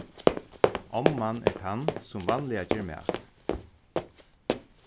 omman er tann sum vanliga ger mat